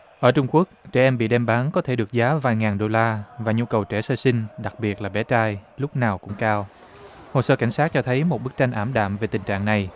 ở trung quốc trẻ em bị đem bán có thể được giá vài ngàn đô la và nhu cầu trẻ sơ sinh đặc biệt là bé trai lúc nào cũng cao hồ sơ cảnh sát cho thấy một bức tranh ảm đạm về tình trạng này